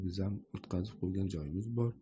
bizziyam o'tqazib qo'ygan joyimiz bor